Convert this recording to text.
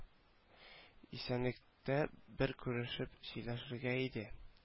Исәнлектә бер күрешеп сөйләшергә иде